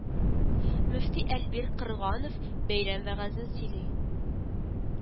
Мөфти Әлбир Крганов бәйрәм вәгазен сөйли